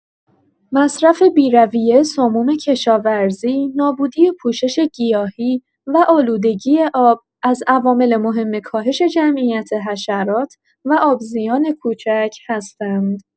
مصرف بی‌رویه سموم کشاورزی، نابودی پوشش گیاهی و آلودگی آب از عوامل مهم کاهش جمعیت حشرات و آبزیان کوچک هستند.